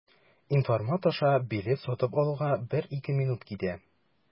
Инфомат аша билет сатып алуга 1-2 минут китә.